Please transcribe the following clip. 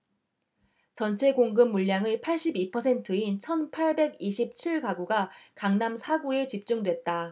전체 공급 물량의 팔십 이 퍼센트인 천 팔백 이십 칠 가구가 강남 사 구에 집중됐다